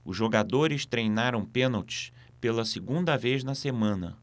os jogadores treinaram pênaltis pela segunda vez na semana